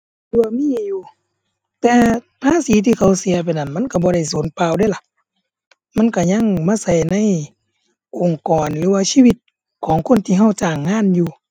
คิดว่ามีอยู่ แต่ภาษีที่เขาเสียไปนั้นมันคิดบ่ได้สูญเปล่าเดะล่ะ มันคิดยังมาคิดในองค์กร หรือว่าชีวิตของคนที่คิดจ้างงานอยู่